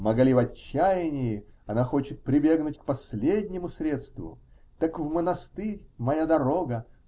Магали в отчаянии, она хочет прибегнуть к последнему средству: "Так в монастырь -- моя дорога.